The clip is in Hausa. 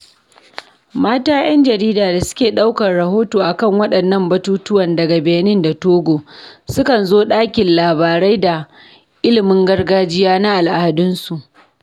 Mata 'yan jarida da suke ɗaukar rahoto a kan waɗannan batutuwan daga Benin da Togo, sukan zo ɗakin labarai da ilimin gargajiya na al'adunsu.